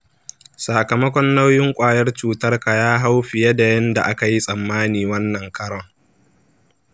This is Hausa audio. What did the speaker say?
sakamakon nauyin ƙwayar cutarka ya hau fiye da yanda akayi tsammani wannan karon.